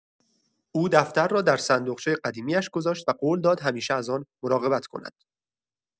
او دفتر را در صندوقچۀ قدیمی‌اش گذاشت و قول داد همیشه از آن مراقبت کند.